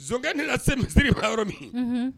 Donsokɛ ni lase se se ka yɔrɔ min ye